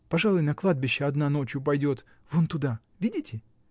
Пожалуй, на кладбище одна ночью пойдет, вон туда: видите?